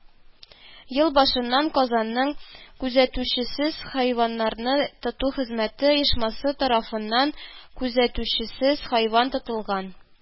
Ел башыннан казанның «күзәтүчесез хайваннарны тоту хезмәте» оешмасы тарафыннан күзәтүчесез хайван тотылган